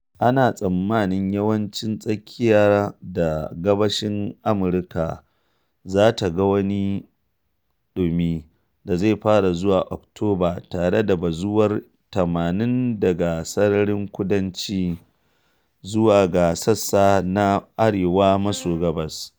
Ana tsammanin yawancin tsakiya da gabashin Amurka za ta ga wani ɗumi da zai fara zuwa Oktoba tare da bazuwar 80s daga Sararin Kudanci zuwa ga sassa na Arewa-maso-gabas.